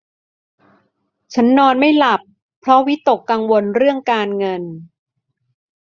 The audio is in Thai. ฉันนอนไม่หลับเพราะวิตกกังวลเรื่องการเงิน